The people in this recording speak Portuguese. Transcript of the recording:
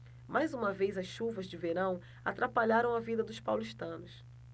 mais uma vez as chuvas de verão atrapalharam a vida dos paulistanos